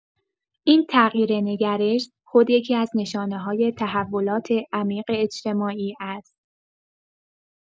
این تغییر نگرش، خود یکی‌از نشانه‌های تحولات عمیق اجتماعی است.